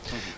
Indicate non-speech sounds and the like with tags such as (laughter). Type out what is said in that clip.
(breath) (hesitation) (hesitation)